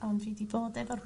Ond dwi 'di bod efo'r...